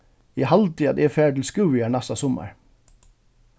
eg haldi at eg fari til skúvoyar næsta summar